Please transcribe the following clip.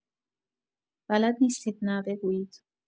بلد نیستید نه بگویید.